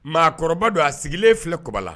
Maakɔrɔbaba don a sigilenlen filɛba la